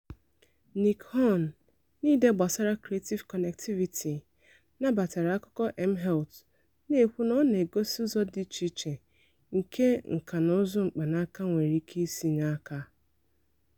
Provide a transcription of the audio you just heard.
Nick Hunn, n'ide gbasara Creative Connectivity, nabatara akụkọ mHealth, na-ekwu na ọ na-egosị ụzọ dị icheiche nke nkanụzụ mkpanaka nwere ike isi nye aka.